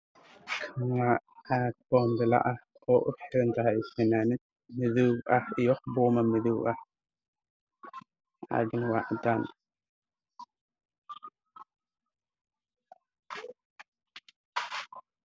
Waa buun baro midabkiisu yahay caddaan waxaa ku jirta fanaanad midafkeedu yahay l buluug